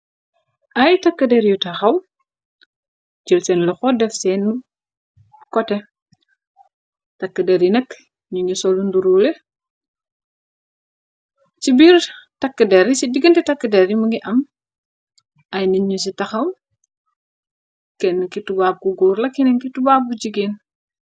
Ay takk der yu taxaw, jël seen lu xo def seen kote, takk der yi nakk ñu ngi solu ndurule, ci biir takk deri, ci diggante takk der yi , mu ngi am ay nit ñu ci taxaw, kenn ki tubaab ku góor, la kenn ki tubaa bu jigeen.